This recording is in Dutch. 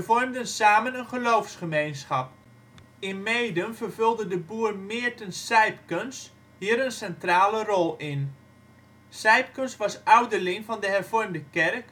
vormden samen een geloofsgemeenschap. In Meeden vervulde de boer Meerten Sijpkens (1784-1851) hier een centrale rol in. Sijpkens was ouderling van de Hervormde kerk,